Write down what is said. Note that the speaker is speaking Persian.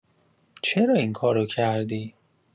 چرا این کارو کردی؟